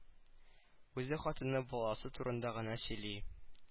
Үзе хатыны баласы турында гына сөйли